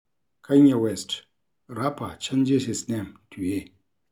Kanye West: Rapper changes his name to Ye